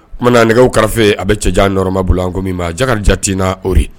O tumana nɛgɛw karafɛ a bɛ cɛjan nɔrɔma bolo an ko min ma Jakarija Tina Ori